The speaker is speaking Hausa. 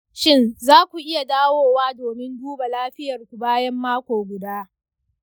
shin za ku iya dawowa domin duba lafiyarku bayan mako guda?